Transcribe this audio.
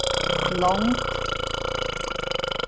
longd